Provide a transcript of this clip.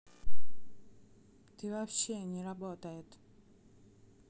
ты вообще не работает